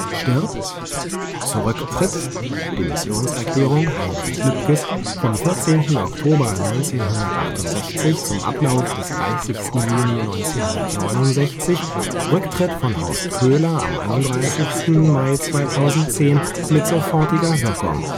stirbt, zurücktritt (Demissionserklärung Heinrich Lübkes vom 14. Oktober 1968 zum Ablauf des 30. Juni 1969, Rücktritt von Horst Köhler am 31. Mai 2010 mit sofortiger Wirkung